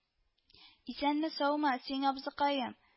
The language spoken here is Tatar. - исәнме-саумы, син, абзыкаем